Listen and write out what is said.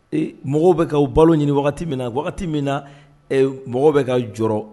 Ee mɔgɔw bɛ ka balo ɲini wagati min na wagati min na mɔgɔ bɛ ka jɔ rɔ